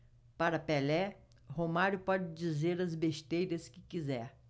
para pelé romário pode dizer as besteiras que quiser